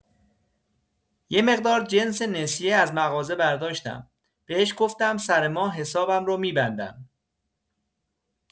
یه مقدار جنس نسیه از مغازه برداشتم، بهش گفتم سر ماه حسابم رو می‌بندم.